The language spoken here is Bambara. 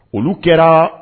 Olu kɛra